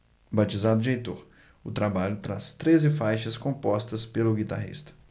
batizado de heitor o trabalho traz treze faixas compostas pelo guitarrista